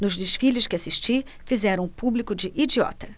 nos desfiles que assisti fizeram o público de idiota